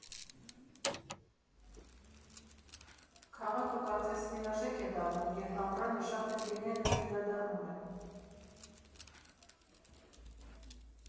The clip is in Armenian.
Քաղաքը կարծես լիարժեք է դառնում, երբ ամռանը շատ ընկերներս վերադառնում են։